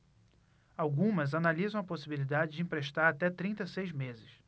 algumas analisam a possibilidade de emprestar até trinta e seis meses